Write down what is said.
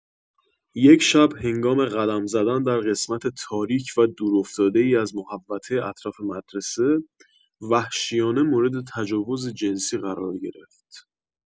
یک شب‌هنگام قدم‌زدن در قسمت تاریک و دورافتاده‌ای از محوطه اطراف مدرسه، وحشیانه مورد تجاوز جنسی قرار گرفت.